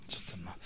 effectivement